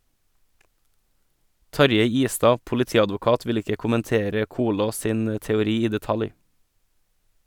Tarjei Istad, politiadvokat, vil ikke kommentere Kolås sin teori i detalj.